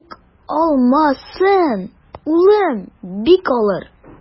Ник алмасын, улым, бик алыр.